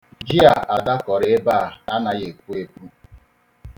Ji a Ada kọrọ ebe a anaghị epu epu.